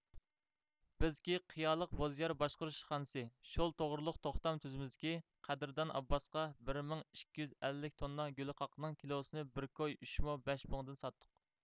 بىزكى قىيالىق بوزيەر باشقۇرۇش ئىشخانىسى شول توغرۇلۇق توختام تۈزىمىزكى قەدىردان ئابباسقا بىر مىڭ ئىككى يۈز ئەللىك توننا گۈلە قاقنىڭ كىلوسىنى بىر كوي ئۈچ مو بەش پۇڭدىن ساتتۇق